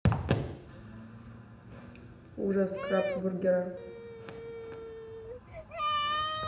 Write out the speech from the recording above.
ужас крабсбургера